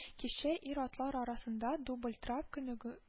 Кичә ир-атлар арасында дубль-трап күнегү